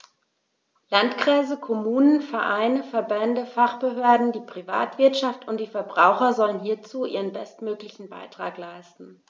Landkreise, Kommunen, Vereine, Verbände, Fachbehörden, die Privatwirtschaft und die Verbraucher sollen hierzu ihren bestmöglichen Beitrag leisten.